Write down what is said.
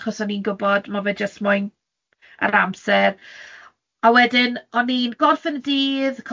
achos o'n i'n gwybod ma' fe jyst moyn yr amser, a wedyn o'n i'n gorffen y dydd,